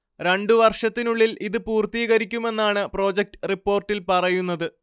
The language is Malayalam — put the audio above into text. രണ്ടു വർഷത്തിനുള്ളിൽ ഇതു പൂർത്തീകരിക്കുമെന്നാണ് പ്രൊജക്റ്റ് റിപ്പോർട്ടിൽ പറയുന്നത്